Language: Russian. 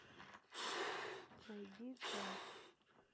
найди джаз